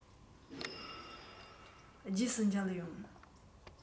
རྗེས སུ མཇལ ཡོང